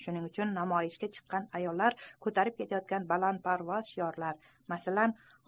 shuning uchun namoyishga chiqqan ayollar ko'tarib ketayotgan balandparvoz shiorlar masalan